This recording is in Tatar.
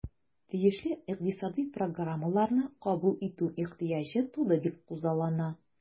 Тиешле икътисадый программаларны кабул итү ихтыяҗы туды дип күзаллана.